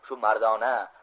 shu mardona